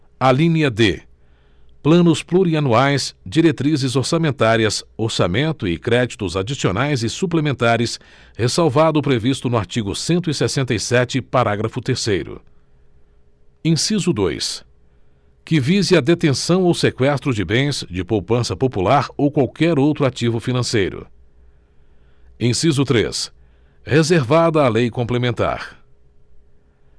alínea d planos plurianuais diretrizes orçamentárias orçamento e créditos adicionais e suplementares ressalvado o previsto no artigo cento e sessenta e sete parágrafo terceiro inciso dois que vise a detenção ou seqüestro de bens de poupança popular ou qualquer outro ativo financeiro inciso três reservada a lei complementar